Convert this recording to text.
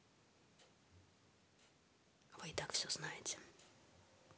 вы и так все знаете